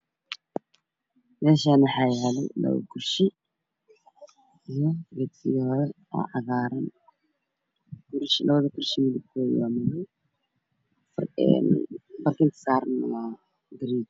Meeshaan waxaa yaalo labo kursi iyo fiyoore cagaaran. Meesha labada kursi waa madow, fadhiga saarana waa garee.